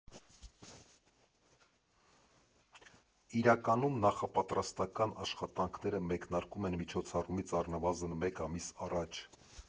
Իրականում նախապատրաստական աշխատանքները մեկնարկում են միջոցառումից առնվազն մեկ ամիս առաջ։